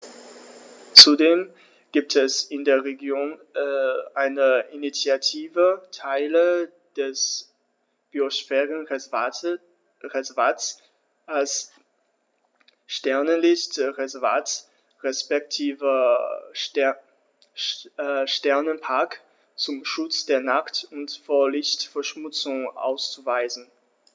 Zudem gibt es in der Region eine Initiative, Teile des Biosphärenreservats als Sternenlicht-Reservat respektive Sternenpark zum Schutz der Nacht und vor Lichtverschmutzung auszuweisen.